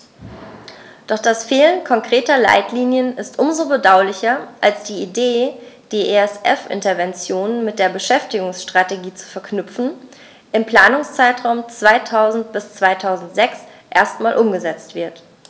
Doch das Fehlen konkreter Leitlinien ist um so bedauerlicher, als die Idee, die ESF-Interventionen mit der Beschäftigungsstrategie zu verknüpfen, im Planungszeitraum 2000-2006 erstmals umgesetzt wird.